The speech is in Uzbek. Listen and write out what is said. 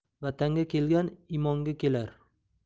vatanga kelgan imonga kelar